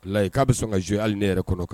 Layi k'a bɛ sɔn kao hali ne yɛrɛ kɔnɔ